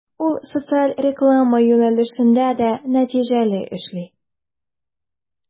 Ул социаль реклама юнәлешендә дә нәтиҗәле эшли.